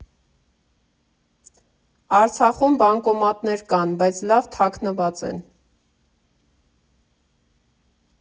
Արցախում բանկոմատներ կան, բայց լավ թաքնված են։